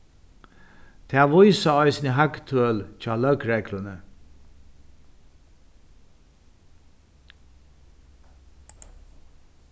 tað vísa eisini hagtøl hjá løgregluni